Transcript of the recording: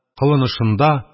Кылынышында